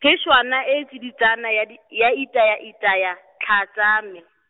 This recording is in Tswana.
pheswana e e tsiditsana ya di, ya itayaitaya, tlhaa tsa me.